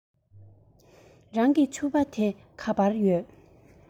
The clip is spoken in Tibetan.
རང གི ཕྱུ པ དེ ག པར ཡོད